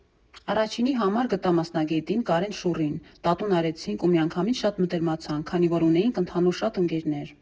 Առաջինի համար գտա մասնագետին՝ Կարեն Շուռին, տատուն արեցինք ու միանգամից շատ մտերմացանք, քանի որ ունեինք ընդհանուր շատ ընկերներ։